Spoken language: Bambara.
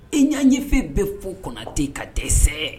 E y'a ɲɛfɛ bɛ fo kɔnɔ ten ka dɛsɛ sɛ